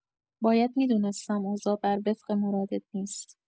باید می‌دونستم اوضاع بر وفق مرادت نیست.